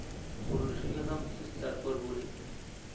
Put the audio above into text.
qurilishiga ham siz sarkor bo'ling